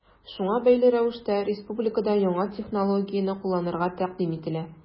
Шуңа бәйле рәвештә республикада яңа технологияне кулланырга тәкъдим ителә.